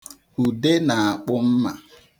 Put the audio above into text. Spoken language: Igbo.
Ude na-akpụ mma.